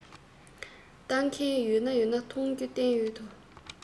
ལྟ མཁན ཡོད ན མ ཡོང ན མཐོང རྒྱུ བསྟན ཡོད དོ